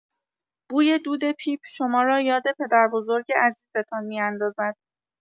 بوی دود پیپ شما را یاد پدربزرگ عزیزتان می‌اندازد.